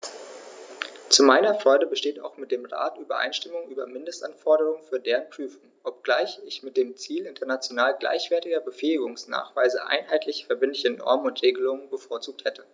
Zu meiner Freude besteht auch mit dem Rat Übereinstimmung über Mindestanforderungen für deren Prüfung, obgleich ich mit dem Ziel international gleichwertiger Befähigungsnachweise einheitliche verbindliche Normen und Regelungen bevorzugt hätte.